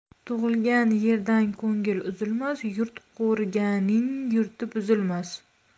tug'ilgan yerdan ko'ngil uzilmas yurt qo'riganning yurti buzilmas